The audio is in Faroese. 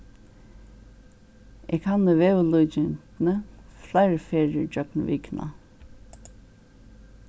eg kanni veðurlíkindini fleiri ferðir gjøgnum vikuna